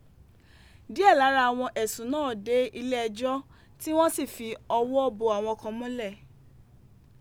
Diẹ lara awọn ẹsun naa de ile ẹjọ, ti wọn si fi ọwọ bo awọn kan mọlẹ.